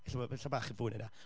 Falle bo- falle bach yn fwy na hynna.